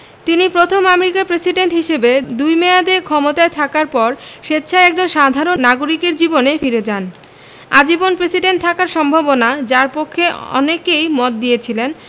তিনি প্রথম আমেরিকার প্রেসিডেন্ট হিসেবে দুই মেয়াদে ক্ষমতায় থাকার পর স্বেচ্ছায় একজন সাধারণ নাগরিকের জীবনে ফিরে যান আজীবন প্রেসিডেন্ট থাকার সম্ভাবনা যার পক্ষে অনেকেই মত দিয়েছিলেন